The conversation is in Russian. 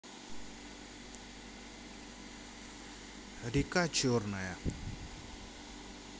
река черная